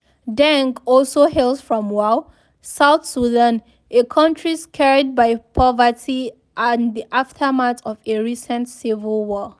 Deng also hails from Wau, South Sudan, a country scarred by poverty and the aftermath of a recent civil war.